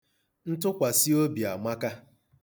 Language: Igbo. Ntụkwasịobi amaka.